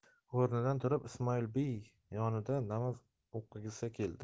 o'rnidan turib ismoilbey yonida namoz o'qigisi keldi